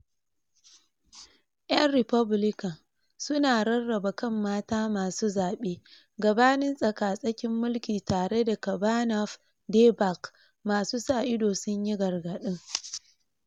Yan Republican Su na Rarraba Kan Mata Masu Zabe Gabanin Tsaka-Tsakin Mulki Tare da Kavanaugh Debacle, Masu sa ido sunyi gargadin